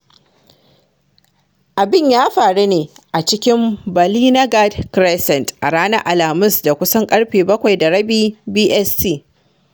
Abin ya faru ne a cikin Ballynagard Crescent a ranar Alhamis da kusan ƙarfe 19:30 BST.